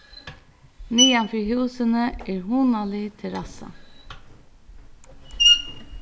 niðan fyri húsini er hugnalig terrassa